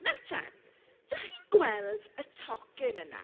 Nawr te, dach chi'n gweld y tocyn yna?